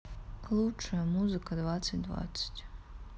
лучшая музыка двадцать двадцать